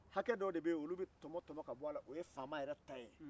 hakɛ dɔ de bɛ yen olu bɛ tɔmɔ tɔmɔ k'a bɔ a la o ye faama yɛrɛ ta ye